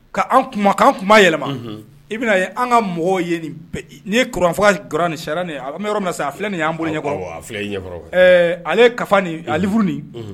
Ka an kunma, ka an kunmayɛlɛma, unhun, i bɛn'a ye an ka mɔgɔw ye nin bɛ, n'i ye kuranfaga, sariya nin an bɛ yɔrɔ minna sisan a filɛ nin ye an bolo ɲɛkɔrɔ, a filɛ i ɲɛkɔrɔ, ɛ ale kafa nin a livre nin